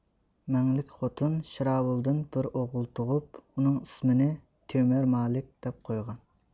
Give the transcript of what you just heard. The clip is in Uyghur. مەڭلىك خوتۇن شىراۋۇلدىن بىر ئوغۇل تۇغۇپ ئۇنىڭ ئىسمىنى تېمۆر مالىك دەپ قويغان